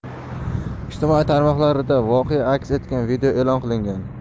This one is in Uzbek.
ijtimoiy tarmoqlarida voqea aks etgan video e'lon qilingan